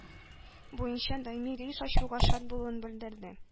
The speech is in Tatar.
Буенча даими рейс ачуга шат булуын белдерде,